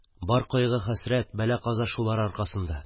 Бар кайгы-хәсрәт, бәлә-каза шулар аркасында!